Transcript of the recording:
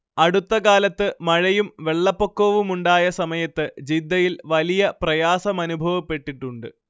അടുത്ത കാലത്ത് മഴയും വെള്ളപ്പൊക്കവുമുണ്ടായ സമയത്ത് ജിദ്ദയിൽ വലിയ പ്രയാസമനുഭവപ്പെട്ടിട്ടുണ്ട്